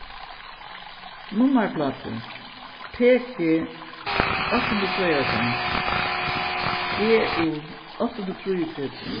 nummarplátur p g átta hundrað og tveyoghálvfems g u átta hundrað og trýogtretivu